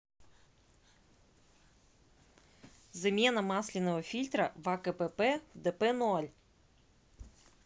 замена масляного фильтра в акпп дп ноль